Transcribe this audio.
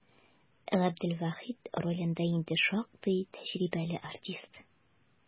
Габделвахит ролендә инде шактый тәҗрибәле артист.